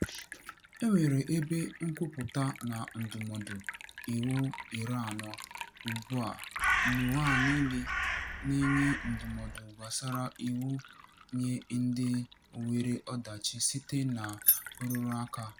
E nwere Ebe Nkwụpụta na Ndụmọdụ Iwu 40 ugbu a n'ụwa nile na-enye ndụmọdụ gbasara iwu nye ndị nwere ọdachị site na nrụrụ aka.